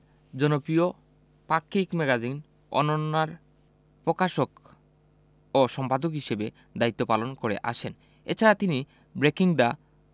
জনপ্রিয় পাক্ষিক ম্যাগাজিন অনন্যার প্রকাশক ও সম্পাদক হিসেবে দায়িত্ব পালন করে আসছেন এ ছাড়া তিনি ব্রেকিং দ্য